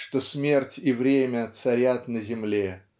что "Смерть и Время царят на земле"